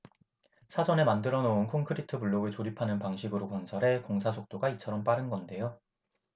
사전에 만들어 놓은 콘크리트 블록을 조립하는 방식으로 건설해 공사 속도가 이처럼 빠른 건데요